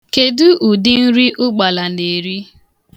Kedu ụdị nri ụgbala na-eri?